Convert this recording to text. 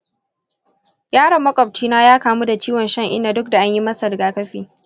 yaron makwabci na ya kamu da ciwon shan-inna duk da an yi masa rigakafi.